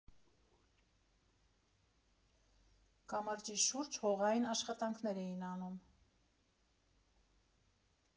Կամրջի շուրջ հողային աշխատանքներ էին անում։